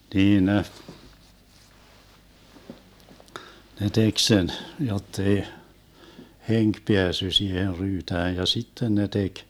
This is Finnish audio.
niin ne ne teki sen jotta ei henki päässyt siihen ryytään ja sitten ne teki